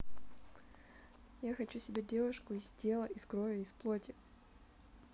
я хочу себе девушку из тела из крови из плоти